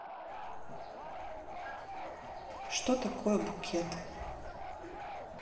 что такое букет